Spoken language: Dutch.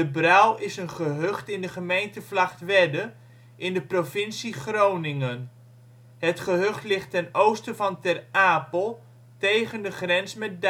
Bruil is een gehucht in de gemeente Vlagtwedde in de provincie Groningen. Het gehucht ligt ten oosten van Ter Apel, tegen de grens met